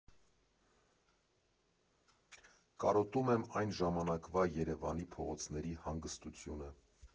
Կարոտում եմ այն ժամանակվա Երևանի փողոցների հանգստությունը։